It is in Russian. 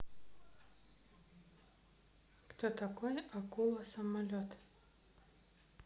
кто такой акула самолет